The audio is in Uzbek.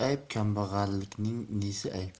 ayb kambag'allikning nesi ayb